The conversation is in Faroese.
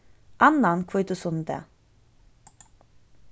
annan hvítusunnudag